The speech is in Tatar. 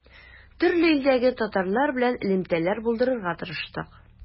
Төрле илдәге татарлар белән элемтәләр булдырырга тырыштык.